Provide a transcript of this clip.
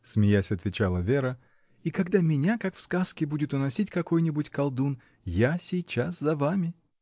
— смеясь, отвечала Вера, — и когда меня, как в сказке, будет уносить какой-нибудь колдун — я сейчас за вами!